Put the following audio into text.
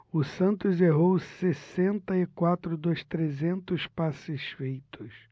o santos errou sessenta e quatro dos trezentos passes feitos